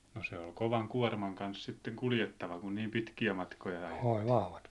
no se oli kovan kuorman kanssa sitten kuljettava kun niin pitkiä matkoja ajettiin